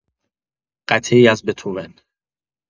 قطعه‌ای از بتهوون